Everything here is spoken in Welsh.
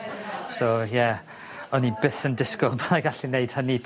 So ie, o'n i byth yn disgwl byddai gallu neud hynny